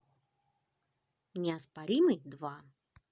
неоспоримый два